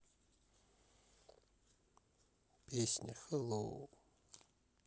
песня хэллоу